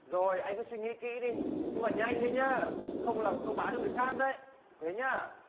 rồi anh cứ suy nghĩ kỹ đi nhưng mà nhanh đấy nhớ không là tôi bán cho người khác đấy nhớ